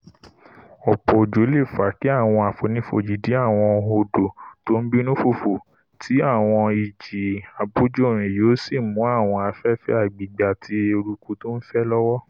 Ọ̀pọ̀ òjò leè fa kí àwọn àfonífojì di àwọn odò tó ńbínú fùfù tí àwọn ìjì abójòrìn yóò sì mú àwọn afẹ́fẹ́ agbègbè àti eruku tó ńf ẹ́ lọ́wọ́.